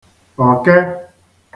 ọ̀kẹ